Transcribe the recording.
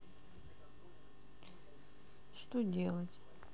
что делать